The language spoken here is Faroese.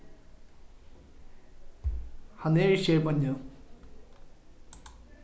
hann er ikki her beint nú